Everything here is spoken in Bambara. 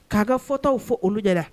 K'a ka fɔtaw fɔ olu jɛra